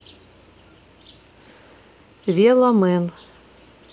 veloman